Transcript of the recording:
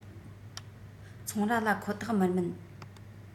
ཚོང ར ལ ཁོ ཐག མི དམན